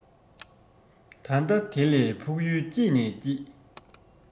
ད ལྟ དེ ལས ཕུགས ཡུལ སྐྱིད ནས སྐྱིད